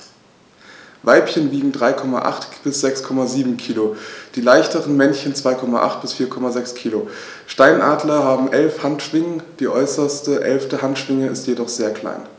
Weibchen wiegen 3,8 bis 6,7 kg, die leichteren Männchen 2,8 bis 4,6 kg. Steinadler haben 11 Handschwingen, die äußerste (11.) Handschwinge ist jedoch sehr klein.